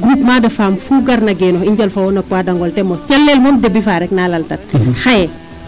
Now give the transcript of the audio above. Groupement de femme fu ngarna ngenoox i njal fo wo' no poids D' angole ta mos .Calel moom début ;fra fa rek naa laltan xaye